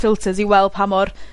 filters i weld pa mor